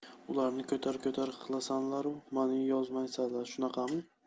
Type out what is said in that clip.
ularni ko'tar ko'tar qilasanlaru mani yozmaysanlar shunaqami